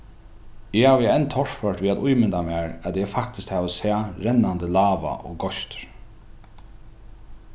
eg havi enn torført við at ímynda mær at eg faktiskt havi sæð rennandi lava og goystur